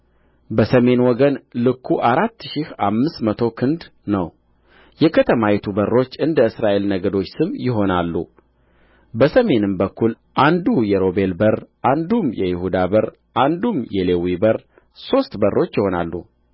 በሰሜን ወገን ልኩ አራት ሺህ አምስት መቶ ክንድ ነው የከተማይቱ በሮች እንደ እስራኤል ነገዶች ስም ይሆናሉ በሰሜን በኩል አንዱ የሮቤል በር አንዱም የይሁዳ በር አንዱም የሌዊ በር ሦስት በሮች ይሆናሉ